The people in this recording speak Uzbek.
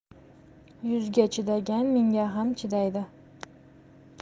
yuzga chidagan mingga ham chidaydi